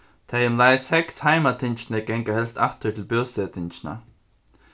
tey umleið seks heimatingini ganga helst aftur til búsetingina